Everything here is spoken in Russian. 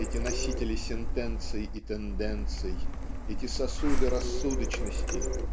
эти носители сентенций и тенденций эти сосуды рассудочности